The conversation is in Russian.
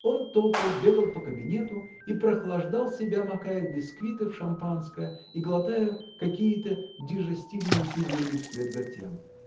Он топал, бегал по кабинету и прохлаждал себя, макая бисквиты в шампанское и глотая какие-то дижестивные пилюли вслед за тем.